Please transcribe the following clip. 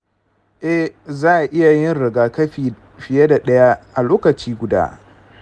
e, za'a iya yin rigakafi fiye da ɗaya a lokaci guda